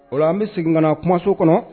O an bɛ sigi ka na kumaso kɔnɔ